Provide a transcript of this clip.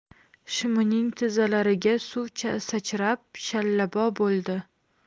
shimining tizzalariga suv sachrab shalabbo bo'ldi